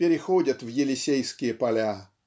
переходят в Елисейские поля